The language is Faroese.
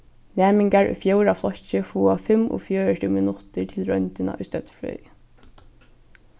næmingar í fjórða flokki fáa fimmogfjøruti minuttir til royndina í støddfrøði